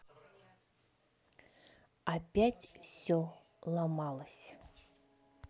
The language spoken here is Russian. опять все ломалось